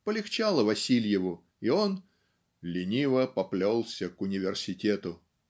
полегчало Васильеву, и он "лениво поплелся к университету".